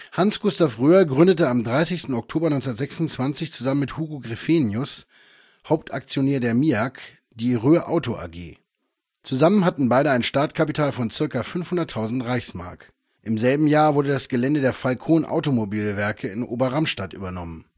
Hans Gustav Röhr gründete am 30. Oktober 1926 zusammen mit Hugo Greffenius, Hauptaktionär der MIAG, die Röhr Auto AG. Zusammen hatten beide ein Startkapital von ca. 500.000 Reichsmark. Im selben Jahr wurde das Gelände der Falcon Automobilwerke in Ober-Ramstadt übernommen